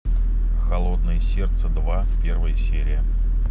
холодное сердце два первая серия